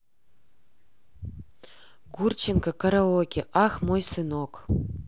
гурченко караоке ах мой сынок